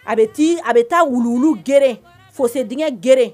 A bɛ ti a bɛ taa wuluwulu ŋeren, fossé dingɛ ŋeren